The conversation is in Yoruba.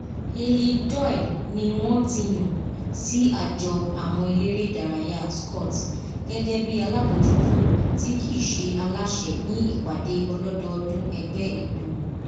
Eilidh Doyle ni wọn ti yan si ajọ Awọn Elere Idaraya Scott gẹgẹbi alabojuto ti kiiṣe alaṣẹ ni ipade ọlọdọọdun ẹgbẹ igbimọ.